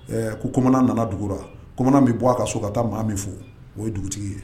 Ɛɛ koman nana dugura koman min bɔ a ka so ka taa maa min fo o ye dugutigi ye